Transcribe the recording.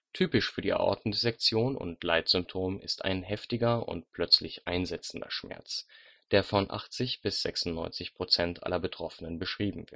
Typisch für die Aortendissektion und Leitsymptom ist ein heftiger und plötzlich einsetzender Schmerz, der von 80 – 96 % aller Betroffenen beschrieben